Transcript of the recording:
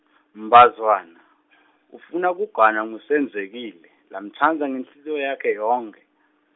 Mbazwana , Ufuna kuganwa nguSenzekile, lamtsandza ngenhlitiyo yakhe yonkhe.